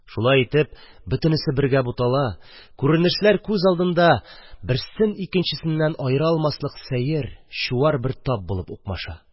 Шулай итеп, бөтенесе бергә бутала, күренешләр күз алдында берсен икенчесеннән аерып булмаслык сәер, чуар бер тап булып укмаша.